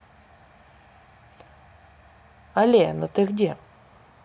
але ну ты где